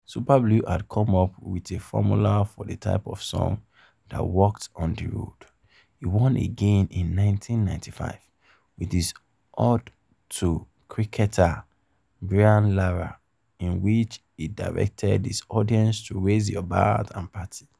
Super Blue had come up with a formula for the type of song that worked on the road: he won again in 1995 with his ode to cricketer Brian Lara, in which he directed his audience to "raise yuh bat and party".